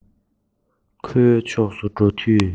ཁོའི ཕྱོགས སུ འགྲོ དུས